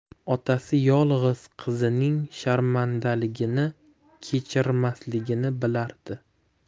otasi yolg'iz qizining sharmandaligini kechirmasligini bilardi